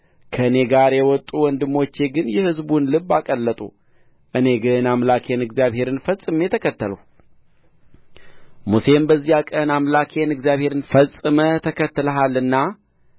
ከእኔ ጋር የወጡ ወንድሞቼ ግን የሕዝቡን ልብ አቀለጡ እኔ ግን አምላኬን እግዚአብሔርን ፈጽሜ ተከተልሁ ሙሴም በዚያ ቀን አምላኬን እግዚአብሔርን ፈጽመህ ተከትለሃልና